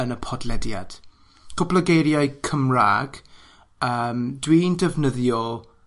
yn y podlediad. Cwpwl o geiriau Cymrag yym dwi'n defnyddio